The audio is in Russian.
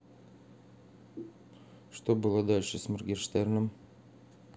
что было дальше с моргенштерном